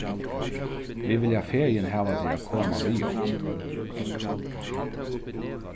vit vilja fegin hava teg at koma við okkum